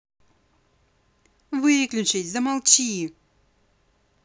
выключись замолчи